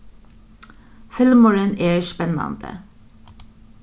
filmurin er spennandi